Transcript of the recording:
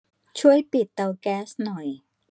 ช่วยปิดเตาแก๊สหน่อย